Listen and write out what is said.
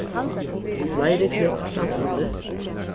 fleiri klipp samstundis